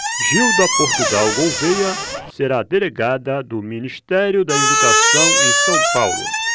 gilda portugal gouvêa será delegada do ministério da educação em são paulo